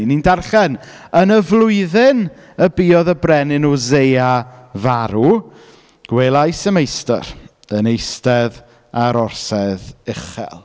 'Y ni'n darllen, "yn y flwyddyn y buodd y brenin Usseia farw, gwelais y meistr yn eistedd ar orsedd uchel".